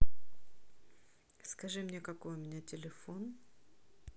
скажи мне какой у меня телефон